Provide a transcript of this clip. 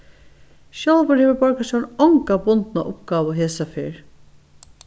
sjálvur hevur borgarstjórin onga bundna uppgávu hesaferð